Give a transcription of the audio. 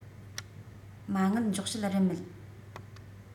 མ དངུལ འཇོག བྱེད རིན མེད